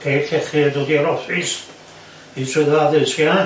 Cei Llechi a dod i'r office i swydd addysg ia?